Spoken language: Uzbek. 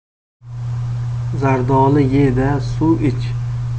zardoli ye da suv